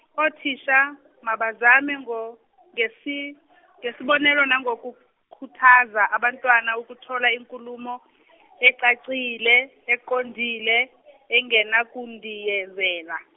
othisha mabazame ngo- ngesi- ngesibonelo nangokhukuthaza abantwana ukuthola inkulumo echachile, eqondile, enganakundiyezela.